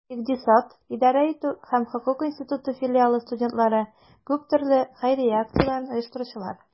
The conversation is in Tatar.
Икътисад, идарә итү һәм хокук институты филиалы студентлары - күп төрле хәйрия акцияләрен оештыручылар.